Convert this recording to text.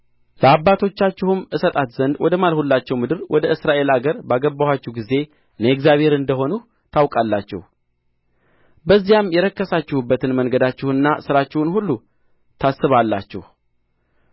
ለአባቶቻችሁም እሰጣት ዘንድ ወደ ማልሁላቸው ምድር ወደ እስራኤል አገር ባገባኋችሁ ጊዜ እኔ እግዚአብሔር እንደ ሆንሁ ታውቃላችሁ በዚያም የረከሳችሁባትን መንገዳችሁንና ሥራችሁን ሁሉ ታስባላችሁ